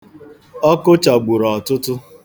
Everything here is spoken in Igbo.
Ọkụ chagburu ọtụtụ.